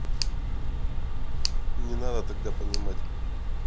не надо тогда понимать